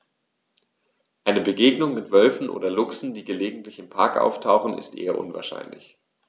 Eine Begegnung mit Wölfen oder Luchsen, die gelegentlich im Park auftauchen, ist eher unwahrscheinlich.